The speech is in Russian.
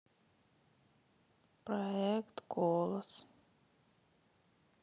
проект голос